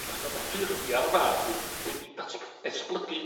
Achos ma' ffurfia' o'r fath wed- wedi dat- esblygu